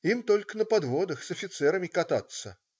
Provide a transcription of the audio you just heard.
им только на подводах с офицерами кататься".